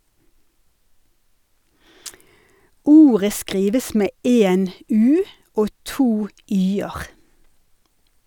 Ordet skrives med én "u" og to "y"-er.